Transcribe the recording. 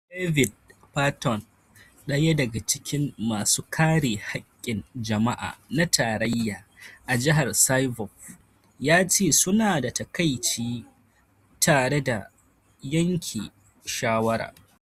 David Patton, daya daga cikin masu kare hakkin jama'a na tarayya a jihar Saipov, ya ce su na da "takaici" tare da yanke shawara.